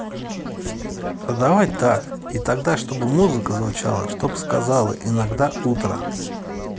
а давай так и тогда чтобы музыка звучала чтоб сказала иногда утро